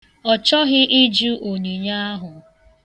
Ọ chọghị ịjụ onyinye ahụ